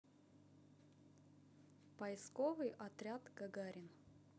поисковый отряд гагарин